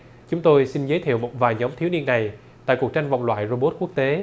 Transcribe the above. chúng tôi xin giới thiệu một vài nhóm thiếu niên này tại cuộc tranh vòng loại robot quốc tế